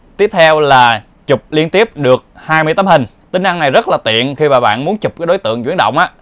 tiếp theo là chụp liên tiếp được tấm hình tính năng này rất là tiện khi bạn muốn chụp đối tượng chuyển động